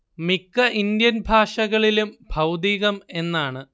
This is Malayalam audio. മിക്ക ഇന്ത്യൻ ഭാഷകളിലും ഭൗതികം എന്നാണ്